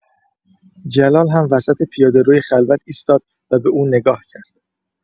جلال هم وسط پیاده‌روی خلوت ایستاد و به او نگاه کرد.